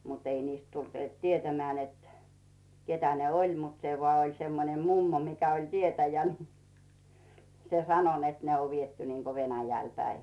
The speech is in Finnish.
mutta ei niistä tullut tietämään että ketä ne oli mutta se vain oli semmoinen mummo mikä oli tietäjä niin se sanoi että ne on viety niin kuin Venäjälle päin